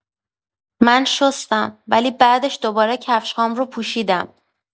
من شستم، ولی بعدش دوباره کفش‌هام رو پوشیدم.